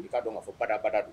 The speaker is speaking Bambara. I k'a dɔn ma fɔ ba dabada don